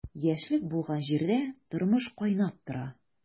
Яшьлек булган җирдә тормыш кайнап тора.